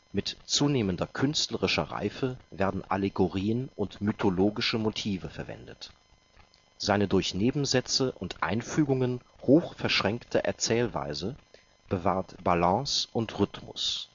Mit zunehmder künstlerischer Reife werden Allegorien und mythologische Motive verwendet. Seine durch Nebensätze und Einfügungen hoch verschränkte Erzählweise bewahrt Balance und Rhythmus